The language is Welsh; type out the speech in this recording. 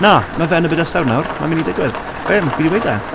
Na, ma' fe yn y bydysawd nawr, ma'n mynd i digwydd. Ddim... fi 'di weud e.